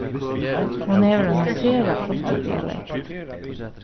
hon hevur eina sera flotta dialekt